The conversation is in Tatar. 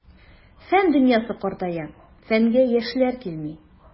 Фән дөньясы картая, фәнгә яшьләр килми.